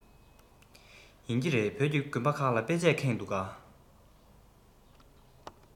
ཡིན གྱི རེད བོད ཀྱི དགོན པ ཁག ལ དཔེ ཆས ཁེངས འདུག ག